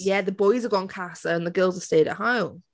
Yeah, the boys have gone Casa, and the girls have stayed at home.